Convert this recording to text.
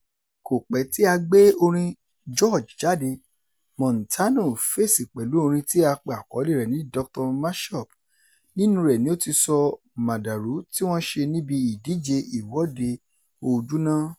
Kò pẹ́ tí a gbé orin George jáde, Montano fèsì pẹ̀lú orin tí a pe àkọlée rẹ̀ ní "Dr. Mashup", nínúu rẹ̀ ni ó ti sọ màdàrú tí wọ́n ṣe níbi ìdíje Ìwọ́de Ojúná: